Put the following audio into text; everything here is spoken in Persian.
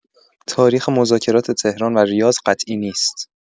تاریخ مذاکرات تهران و ریاض قطعی نیست.